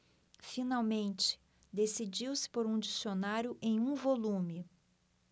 finalmente decidiu-se por um dicionário em um volume